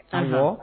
allo